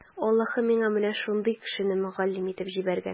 Аллаһы миңа менә шундый кешене мөгаллим итеп җибәргән.